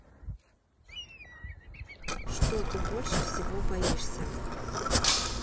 что ты больше всего боишься